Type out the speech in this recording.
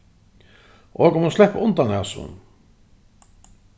okur munnu sleppa undan hasum